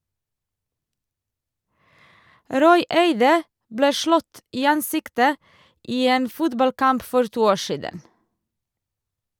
Roy Eide ble slått i ansiktet i en fotballkamp for to år siden.